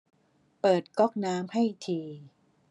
เปิดก๊อกน้ำให้ที